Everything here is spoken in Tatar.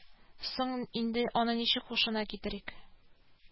Соң инде аны ничек хушына китерик